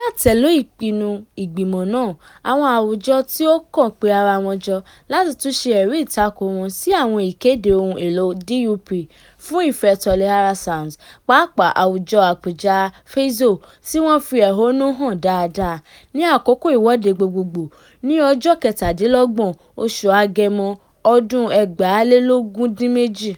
Ní àtẹ̀lé ìpinnu [Ìgbìmọ̀ náà], àwọn àwùjọ tí ó kàn pé ara wọn jọ láti tún ṣe ẹ̀rí ìtakò wọn sí àwọn Ìkéde Ohun Èlò (DUP) fún ìfẹ́ Toliara Sands, pàápàá àwùjọ apẹja Vezo, tí wọ́n fi ẹ̀hónú wọn hàn dáadáa ... ní àkókò ìwọ́de gbogboogbò ní ọjọ́ 27 oṣù Agẹmọ, ọdún 2018.